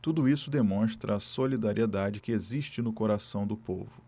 tudo isso demonstra a solidariedade que existe no coração do povo